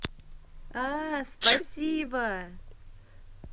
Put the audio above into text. а спасибо